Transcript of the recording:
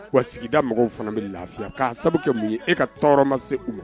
Wa sigida mɔgɔw fana bɛ lafiya k'a sababu kɛ mun ye e ka tɔɔrɔ ma se u la